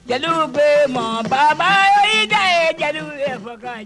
Jeliw bɛ mɔgɔ baba ye ye ja ye jeliw bɛ fɔ